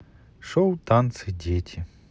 шоу танцы дети